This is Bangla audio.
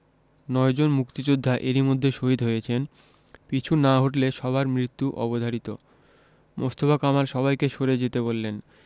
নয়জন মুক্তিযোদ্ধা এর মধ্যেই শহিদ হয়েছেন পিছু না হটলে সবার মৃত্যু অবধারিত মোস্তফা কামাল সবাইকে সরে যেতে বললেন